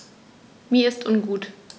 Mir ist ungut.